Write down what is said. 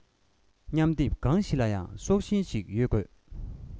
མཉམ སྡེབ གང ལ ཡང སྲོག ཤིང ཞིག ཡོད དགོས